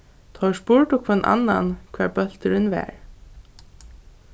teir spurdu hvønn annan hvar bólturin var